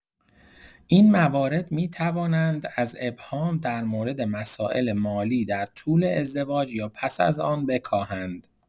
این موارد می‌توانند از ابهام در مورد مسائل مالی در طول ازدواج یا پس از آن بکاهند.